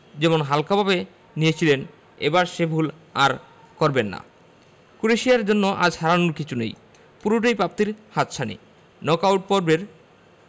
যেমন হালকাভাবে নিয়েছিলাম এবার সে ভুল আর করব না ক্রোয়েশিয়ার জন্য আজ হারানোর কিছু নেই পুরোটাই প্রাপ্তির হাতছানি নক আউট পর্বের